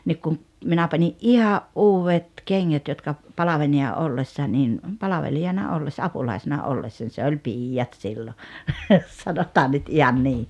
niin kun minä panin ihan uudet kengät jotka palvelijana ollessa niin palvelijana ollessa apulaisena ollessa se oli piiat silloin sanotaan nyt ihan niin